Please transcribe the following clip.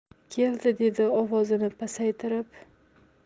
keldi dedi ovozini pasaytirib